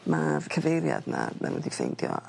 Ma'r cyfeiriad 'na ma' wedi ffeindio